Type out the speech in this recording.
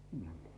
niin